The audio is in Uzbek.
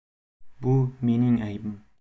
bu mening aybim